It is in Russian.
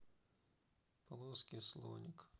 плоский слоник